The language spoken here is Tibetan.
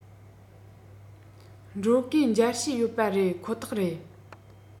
འགྲོ གུས མཇལ ཞུས ཡོད པ རེད ཁོ ཐག རེད